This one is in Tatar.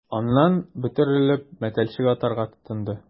Аннан, бөтерелеп, мәтәлчек атарга тотынды...